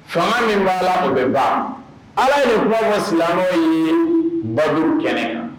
Faŋa min b'a' la o be ban Ala ye nin kuma fɔ silamɛw yee baduru kɛnɛ kan